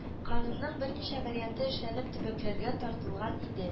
Канунның берничә варианты эшләнеп төбәкләргә таратылган иде